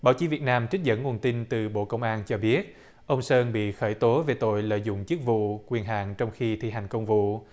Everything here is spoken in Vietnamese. báo chí việt nam trích dẫn nguồn tin từ bộ công an cho biết ông sơn bị khởi tố về tội lợi dụng chức vụ quyền hạn trong khi thi hành công vụ